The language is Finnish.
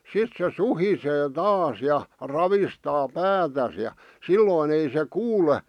sitten se suhisee taas ja ravistaa päätään ja silloin ei se kuule